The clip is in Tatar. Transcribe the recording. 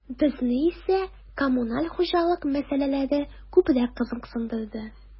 Безне исә коммуналь хуҗалык мәсьәләләре күбрәк кызыксындырды.